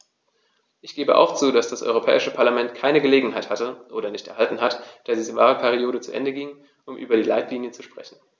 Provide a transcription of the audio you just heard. Ich gebe auch zu, dass das Europäische Parlament keine Gelegenheit hatte - oder nicht erhalten hat, da die Wahlperiode zu Ende ging -, um über die Leitlinien zu sprechen.